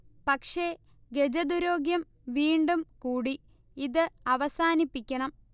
പക്ഷേ ഗജദുരോഗ്യം വീണ്ടും കൂടി. ഇത് അവസാനിപ്പിക്കണം